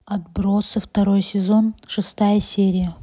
отбросы второй сезон шестая серия